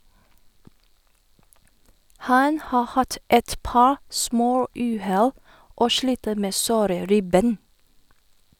Han har hatt et par småuhell og sliter med såre ribben.